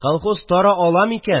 Колхоз тары ала микән